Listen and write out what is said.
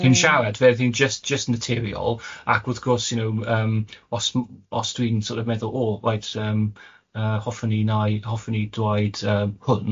...cyn siarad fe oedd hi'n jyst jyst naturiol ac wrth gwrs you know yym os m- os dwi'n sort of meddwl o reit yym yy hoffwn i nai- hoffwn i dwaid yym hwn.